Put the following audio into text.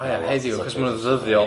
O ia heddiw achos ma' nw'n ddyddiol.